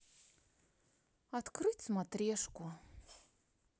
открыть смотрешку